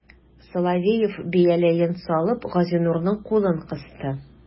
Соловеев, бияләен салып, Газинурның кулын кысты.